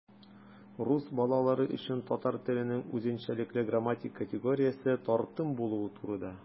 Рус балалары өчен татар теленең үзенчәлекле грамматик категориясе - тартым булуы тудыра.